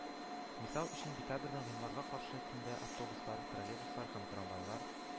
Мисал өчен, декабрьдән гыйнварга каршы төндә автобуслар, троллейбуслар һәм трамвайлар